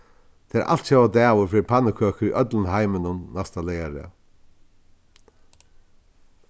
tað er altjóða dagur fyri pannukøkur í øllum heiminum næsta leygardagin